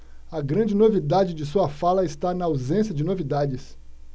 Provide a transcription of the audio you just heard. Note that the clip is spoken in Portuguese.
a grande novidade de sua fala está na ausência de novidades